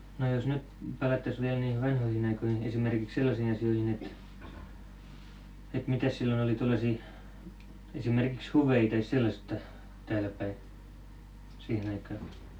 no jos nyt palattaisiin vielä niihin vanhoihin aikoihin esimerkiksi sellaisiin asioihin että että mitäs silloin oli tuollaisia esimerkiksi huveja tai sellaista täälläpäin siihen aikaan